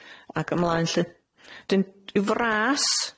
'Dyn yn fras,